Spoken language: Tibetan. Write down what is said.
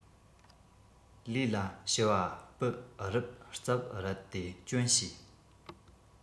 ལུས ལ ཕྱུ པ སྤུ རུབ རྩབ རལ དེ གྱོན བྱས